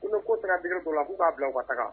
Ko ni ko taga bin don la k' k' bila u ka taa